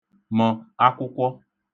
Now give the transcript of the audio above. mə̣̀ akwụkwọ